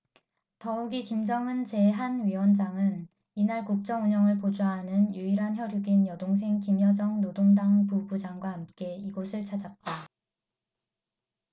더욱이 김정은 제 한 위원장은 이날 국정운영을 보좌하는 유일한 혈육인 여동생 김여정 노동당 부부장과 함께 이곳을 찾았다